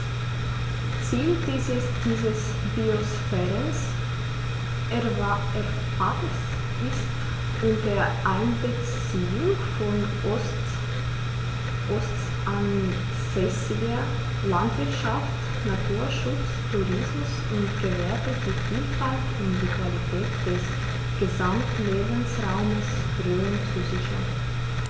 Ziel dieses Biosphärenreservates ist, unter Einbeziehung von ortsansässiger Landwirtschaft, Naturschutz, Tourismus und Gewerbe die Vielfalt und die Qualität des Gesamtlebensraumes Rhön zu sichern.